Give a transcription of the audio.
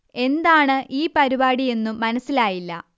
എന്താണ് ഈ പരിപാടി എന്നു മനസ്സിലായില്ല